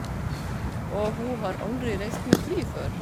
Og hun har aldri reist med fly før.